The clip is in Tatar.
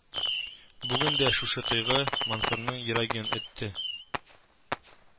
Бүген дә шушы тойгы Мансурның йөрәген өтте